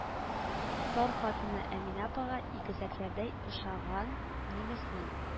Тар хатыны әминә апага игезәкләрдәй охшаган нимеснең